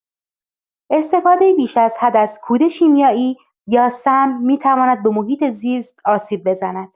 استفاده بیش از حد از کود شیمیایی یا سم می‌تواند به محیط‌زیست آسیب بزند.